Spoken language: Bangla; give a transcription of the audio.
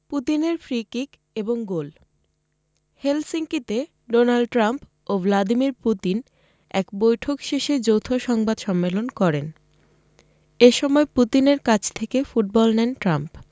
পুতিনের ফ্রি কিক এবং গোল হেলসিঙ্কিতে ডোনাল্ড ট্রাম্প ও ভ্লাদিমির পুতিন একান্ত বৈঠক শেষে যৌথ সংবাদ সম্মেলন করেন এ সময় পুতিনের কাছ থেকে ফুটবল নেন ট্রাম্প